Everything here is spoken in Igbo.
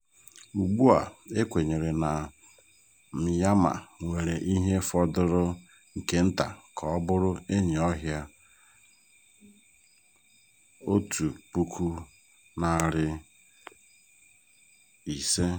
Ugbua, e kwenyere na Myanmar nwere ihe fọdụrụ nke nta ka ọ bụrụ enyi ọhịa 1,500.